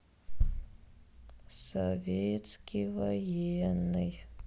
советский военный